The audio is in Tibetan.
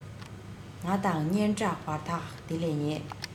ང དང སྙན གྲགས བར ཐག དེ ལས ཉེ